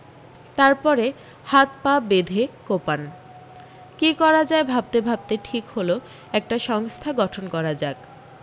তার পরে হাত পা বেঁধে কোপান কী করা যায় ভাবতে ভাবতে ঠিক হল একটা সংস্থা গঠন করা যাক